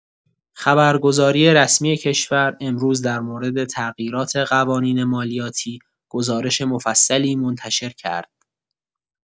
خبرگزاری رسمی کشور امروز در مورد تغییرات قوانین مالیاتی گزارش مفصلی منتشر کرد.